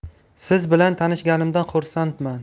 siz bilan tanishganimdan xursandman